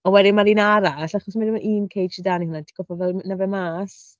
A wedyn ma'r un arall, achos mai dim mond un cage sy 'da ni i hwnna, ti'n gorfod fel mynd â fe mas